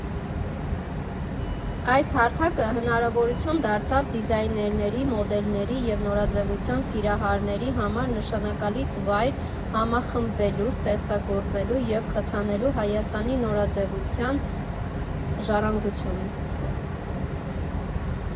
Այս հարթակը հնարավորություն դարձավ դիզայներների, մոդելների և նորաձևության սիրահարների համար նշանակալից վայր՝ համախմբվելու, ստեղծագործելու և խթանելու Հայաստանի նորաձևության ժառանգությունը։